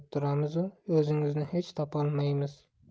turamizu o'zingizni hech topolmaymiz